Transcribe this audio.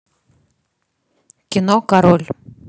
кино король